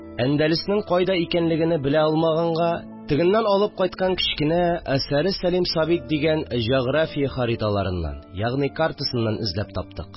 Әндәлеснең кайда икәнлегене белә алмаганга, тегеннән алып кайткан кечкенә «Асәре Сәлим Сабит» дигән җәгърафия хариталарыннан, ягъни картасыннан эзләп таптык